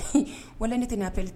Wa ne tɛ' terikɛ